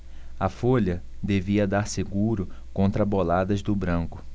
a folha devia dar seguro contra boladas do branco